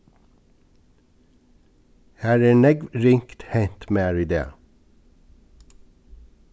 har er nógv ringt hent mær í dag